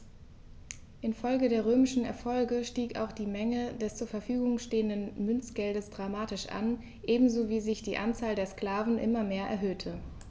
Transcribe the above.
Infolge der römischen Erfolge stieg auch die Menge des zur Verfügung stehenden Münzgeldes dramatisch an, ebenso wie sich die Anzahl der Sklaven immer mehr erhöhte.